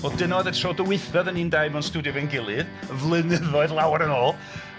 Wel dyna oedd y tro dwytha oedden ni'n dau mewn stwdio efo'n gilydd. Flynyddoedd lawer yn ôl!